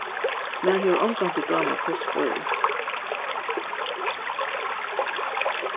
mær hevur ongantíð dámað postboðið